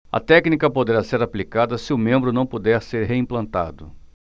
a técnica poderá ser aplicada se o membro não puder ser reimplantado